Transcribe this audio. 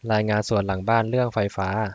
รายงานสวนหลังบ้านเรื่องไฟฟ้า